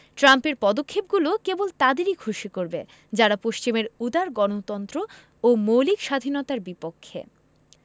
ট্রাম্পের পদক্ষেপগুলো কেবল তাদেরই খুশি করবে যারা পশ্চিমের উদার গণতন্ত্র ও মৌলিক স্বাধীনতার বিপক্ষে